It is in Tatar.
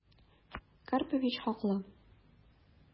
Карпович хаклы...